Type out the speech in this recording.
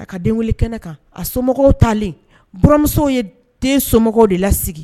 A ka denŋuli kɛnɛ kan a somɔgɔw talen buranmusow ye den somɔgɔw de lasigi